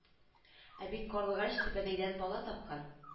Ә бит карлыгач сүбәдәйдән бала тапкан